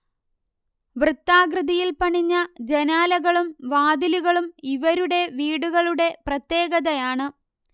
വൃത്താകൃതിയിൽ പണിഞ്ഞ ജനാലകളും വാതിലുകളും ഇവരുടെ വീടുകളുടെ പ്രത്യേകതയാണ്